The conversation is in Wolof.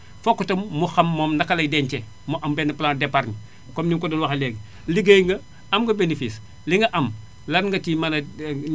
fokk tam mu xam moom naka lay dencee mu am benn plan d' épargne comme ni nga ko doon waxee léegi ligéey nga am nga bénéfice li nga am lan nga ci mën a